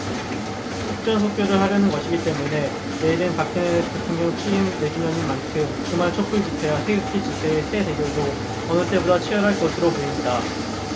속전속결 하려는 것이기 때문에 내일은 박근혜 대통령 취임 네 주년인 만큼 주말 촛불집회와 태극기집회의 세 대결도 어느 때보다 치열할 것으로 보입니다